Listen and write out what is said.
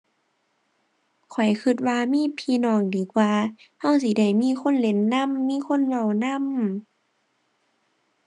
ข้อยคิดว่ามีพี่น้องดีกว่า คิดสิได้มีคนเล่นนำ มีคนเว้านำ